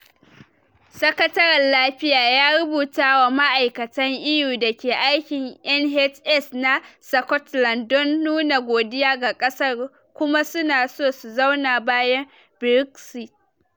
Sakataren Lafiya ya rubuta wa ma'aikatan EU da ke aikin NHS na Scotland don nuna godiya ga kasar kuma su na so su zauna bayan-Brexit.